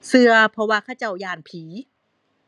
เชื่อ เพราะว่าเขาเจ้าย้านผี